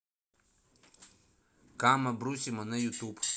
кама брусима на ютюб